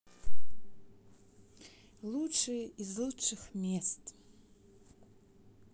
лучшие из лучших мест